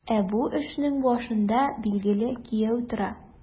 Ә бу эшнең башында, билгеле, кияү тора.